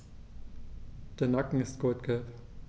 Der Nacken ist goldgelb.